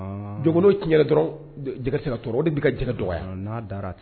Jkolon tiɲɛ jɛgɛ dɔrɔn o de bi ka jɛgɛgɛ dɔgɔ